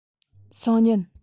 སང ཉིན